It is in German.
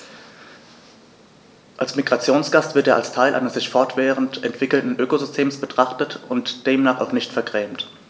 Als Migrationsgast wird er als Teil eines sich fortwährend entwickelnden Ökosystems betrachtet und demnach auch nicht vergrämt.